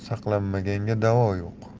saqlanmaganga davo yo'q